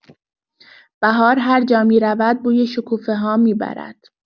بهار هر جا می‌رود بوی شکوفه‌ها می‌برد.